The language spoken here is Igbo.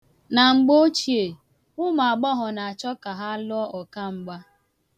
Na mgbe ochie, ụmụagbọghọ na-achọ ka ha lụọ ọkamgba.